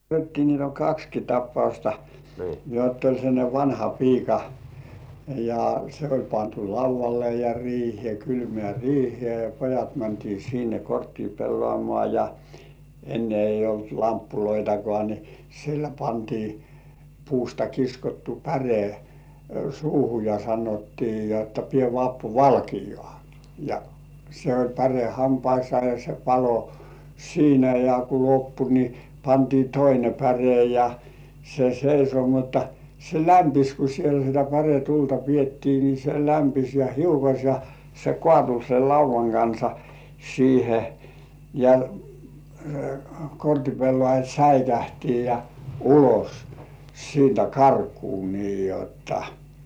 niitä oli kaksikin tapausta jotta oli sellainen vanhapiika ja se oli pantu laudalle ja riiheen kylmään riiheen ja pojat mentiin sinne korttia pelaamaan ja ennen ei ollut lamppujakaan niin sille pantiin puusta kiskottu päre suuhun ja sanottiin jotta pidä Vappu valkeaa ja se oli päre hampaissa ja se paloi siinä ja kun loppui niin pantiin toinen päre ja se seisoi mutta se lämpisi kun siellä sitä päretulta pidettiin niin se lämpisi ja hiukosi ja se kaatui sen laudan kanssa siihen ja kortinpelaajat säikähti ja ulos siitä karkuun niin jotta